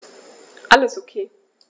Alles OK.